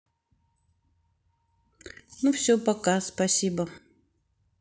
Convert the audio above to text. ну все пока спасибо